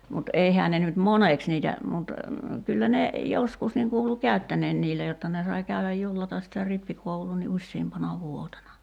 mutta eihän ne nyt moneksi niitä mutta kyllä ne joskus niin kuului käyttäneen niillä jotta ne sai käydä jullata sitä rippikoulua niin useampana vuotena